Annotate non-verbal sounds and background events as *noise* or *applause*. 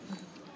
*hesitation* *hesitation*